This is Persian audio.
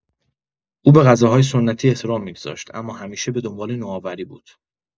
او به غذاهای سنتی احترام می‌گذاشت اما همیشه به دنبال نوآوری بود.